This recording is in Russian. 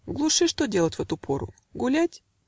В глуши что делать в эту пору? Гулять?